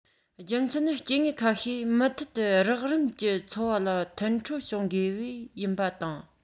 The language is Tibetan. རྒྱུ མཚན ནི སྐྱེ དངོས ཁ ཤས མུ མཐུད དུ རགས རིམ གྱི འཚོ བ ལ མཐུན འཕྲོད བྱུང དགོས པས ཡིན པ དང